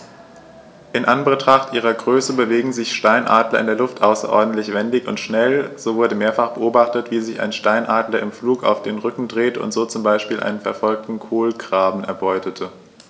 In Anbetracht ihrer Größe bewegen sich Steinadler in der Luft außerordentlich wendig und schnell, so wurde mehrfach beobachtet, wie sich ein Steinadler im Flug auf den Rücken drehte und so zum Beispiel einen verfolgenden Kolkraben erbeutete.